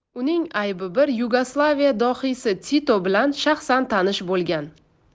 uning aybi bir yugoslaviya dohiysi tito bilan shaxsan tanish bo'lgan